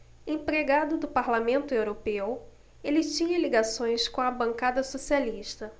empregado do parlamento europeu ele tinha ligações com a bancada socialista